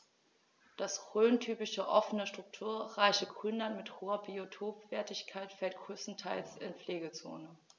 Das rhöntypische offene, strukturreiche Grünland mit hoher Biotopwertigkeit fällt größtenteils in die Pflegezone.